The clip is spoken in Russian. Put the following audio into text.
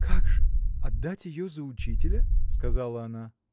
— Как же: отдать ее за учителя? — сказала она.